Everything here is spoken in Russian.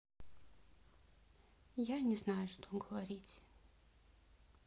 я не знаю что говорить